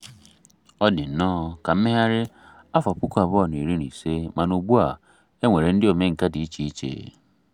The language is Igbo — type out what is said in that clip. Ọ dị nnọ ka mmegharị afọ 2015 mana ugbua, e nwere ndị omenkà dị icheiche.